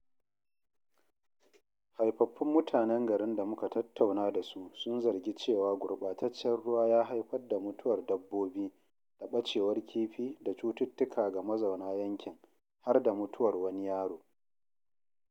Haifaffun Mutanen garin da muka tattauna dasu sun zargi cewa gurɓataccen ruwa ya haifar da mutuwar dabbobi da ɓacewar kifi da cututtuka ga mazauna yankin har da mutuwar wani yaro.